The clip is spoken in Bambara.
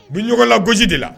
U bɛ ɲɔgɔnlagosi de la